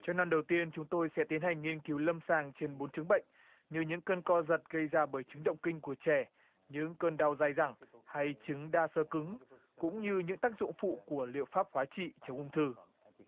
trong năm đầu tiên chúng tôi sẽ tiến hành nghiên cứu lâm sàng trên bốn chứng bệnh như những cơn co giật gây ra bởi chứng động kinh của trẻ những cơn đau dai dẳng hay chứng đa xơ cứng cũng như những tác dụng phụ của liệu pháp hóa trị chống ung thư